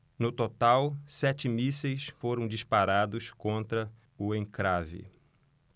no total sete mísseis foram disparados contra o encrave